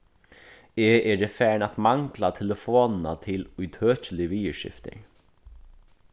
eg eri farin at mangla telefonina til ítøkilig viðurskiftir